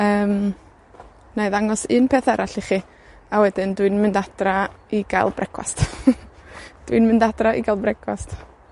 Yym, 'nai ddangos un peth arall i chi, a wedyn dwi'n mynd adra i gael brecwast. Dwi'n mynd adra i gael brecwast.